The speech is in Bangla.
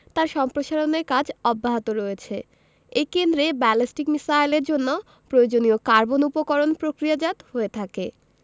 তার সম্প্রসারণের কাজ অব্যাহত রয়েছে এই কেন্দ্রেই ব্যালিস্টিক মিসাইলের জন্য প্রয়োজনীয় কার্বন উপকরণ প্রক্রিয়াজাত হয়ে থাকে